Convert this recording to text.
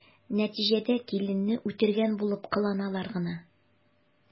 Нәтиҗәдә киленне үтергән булып кыланалар гына.